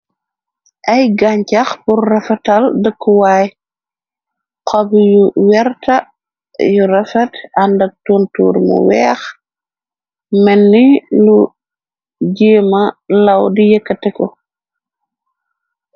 ay gancax bur rafatal dëkkuwaay xob yu werta yu rafat àndak tuntuur mu weex menni lu jéema law di yëkkateko